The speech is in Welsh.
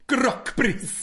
Grocbris!